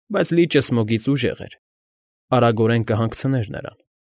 Բայց լիճը Սմոգից ուժեղ էր, արագորեն կհանգցներ նրան։